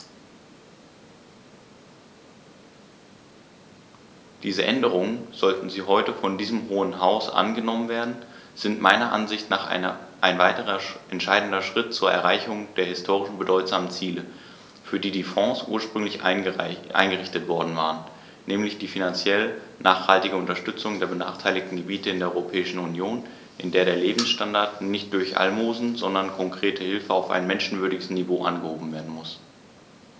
Diese Änderungen, sollten sie heute von diesem Hohen Haus angenommen werden, sind meiner Ansicht nach ein weiterer entscheidender Schritt zur Erreichung der historisch bedeutsamen Ziele, für die die Fonds ursprünglich eingerichtet worden waren, nämlich die finanziell nachhaltige Unterstützung der benachteiligten Gebiete in der Europäischen Union, in der der Lebensstandard nicht durch Almosen, sondern konkrete Hilfe auf ein menschenwürdiges Niveau angehoben werden muss.